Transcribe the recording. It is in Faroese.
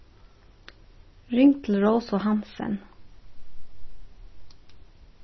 ring til rósu hansen